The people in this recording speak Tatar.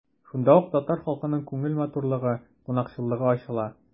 Шунда ук татар халкының күңел матурлыгы, кунакчыллыгы ачыла.